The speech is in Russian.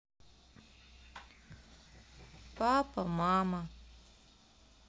папа мама